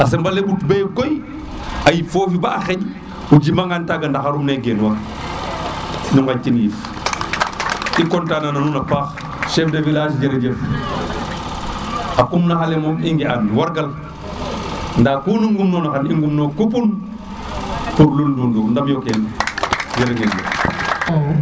a sembale mbut be goy a yip fofi ba a xeƴa jima gan taaga ndaxar naga ne geen wa nu ngaƴ tin yiif i conatana lool na paax Chef de village jërëjëf a kum naxa le moom i nga an war gal nda kunu ngum nuna xa i ngum noox kupun pour lul ndundur ndam yo kene jërëgen jëf